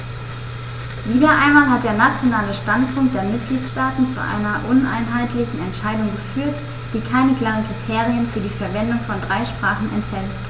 Wieder einmal hat der nationale Standpunkt der Mitgliedsstaaten zu einer uneinheitlichen Entscheidung geführt, die keine klaren Kriterien für die Verwendung von drei Sprachen enthält.